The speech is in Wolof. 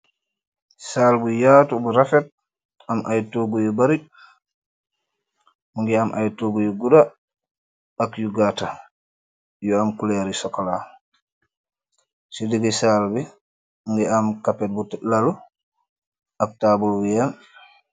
Saal bu yaatu bu rafet, am ayye toguu yuu barri, mugeih am ayyi togu yuu gudaah ak yuu gataa yuu am kuloor yu chokola, ce degeih daal bi mugeih ahmeh Kaapet bu lalu ak tabul.